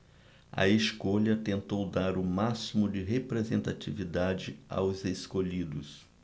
a escolha tentou dar o máximo de representatividade aos escolhidos